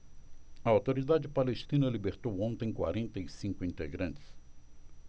a autoridade palestina libertou ontem quarenta e cinco integrantes